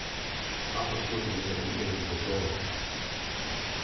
babba spurdi meg um eg vildi sova